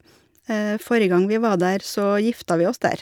Forrige gang vi var der, så gifta vi oss der.